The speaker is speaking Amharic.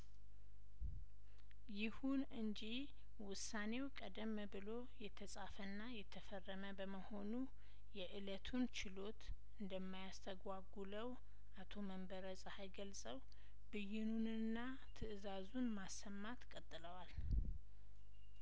ይሁን እንጂ ውሳኔው ቀደም ብሎ የተጻፈና የተፈረመ በመሆኑ የእለቱን ችሎት እንደማያስተጓጉለው አቶ መንበረጸሀይ ገልጸው ብይኑንና ትእዛዙን ማሰማት ቀጥለዋል